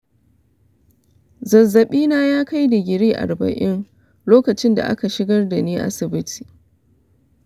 zazzabina ya kai digiri arba’in lokacin da aka shigar da ni asibiti.